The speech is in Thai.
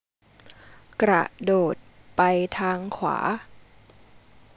กระโดดไปทางขวา